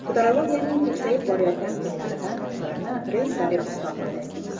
futurologiyaning keksayib borayotgan pirlaridan birini reyn daryosi sohilida